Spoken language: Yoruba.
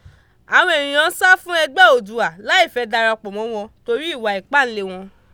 Àwọn èèyàn ń sá fún ẹgbẹ́ Oòduà láìfẹ́ darapọ̀ mọ́ wọ́n torí ìwà ìpáǹlé wọn.